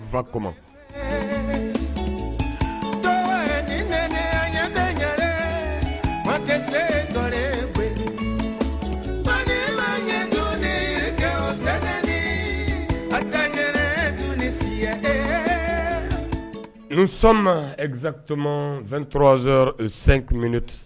Fa tɛse a kasi ye nse sɔnmazkuma fɛn dɔgɔtɔrɔz sen